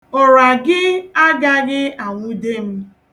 Ụra gị agaghị anwude m.